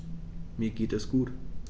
Mir geht es gut.